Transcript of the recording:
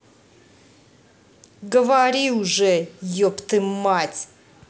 говори уже епты мать